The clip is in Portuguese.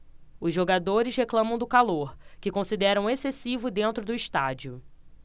os jogadores reclamam do calor que consideram excessivo dentro do estádio